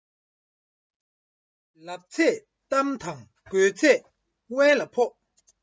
ལབ ཚད གཏམ དང དགོས ཚད འབེན ལ ཕོག